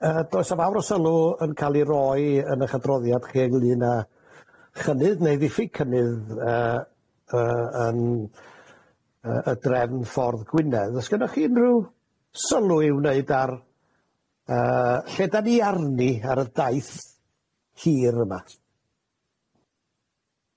Yy does a fawr o sylw yn ca'l i roi yn ych adroddiad chi ynglŷn â chynnydd neu ddiffyg cynnydd yy yy yn yy y drefn Ffordd Gwynedd, os gynnoch chi unrhyw sylw i'w wneud ar yy lle dan ni arni ar y daith hir yma?